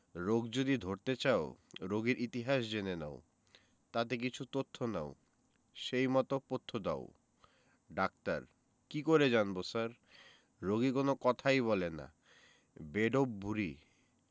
রোগ যদি ধরতে চাও রোগীর ইতিহাস জেনে নাও তাতে কিছু তথ্য নাও সেই মত পথ্য দাও ডাক্তার কি করে জানব স্যার রোগী কোন কথাই বলে না বেঢপ ভূঁড়ি